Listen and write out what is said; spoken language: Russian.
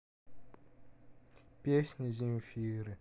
песня земфиры